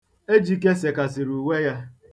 Ejike sekasịrị uwe ya.